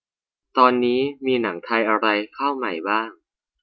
ตอนนี้มีหนังไทยอะไรเข้าใหม่บ้าง